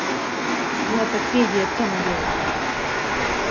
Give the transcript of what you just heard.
злата педия тамвил